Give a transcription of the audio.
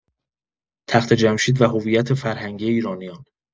تخت‌جمشید و هویت فرهنگی ایرانیان